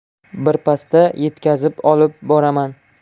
birpasda yetkazib olib boraman